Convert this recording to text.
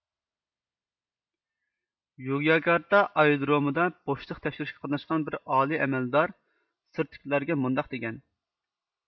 يوگياكارتا ئايرودرومىدا بوشلۇق تەكشۈرۈشكە قاتناشقان بىر ئالىي ئەمەلدار سىرتتىكىلەرگە مۇنداق دېگەن